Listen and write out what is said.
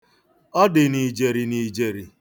Ọ dị n'ijeri n'ijeri.